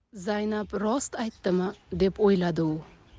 zaynab rost aytdimi deb o'yladi u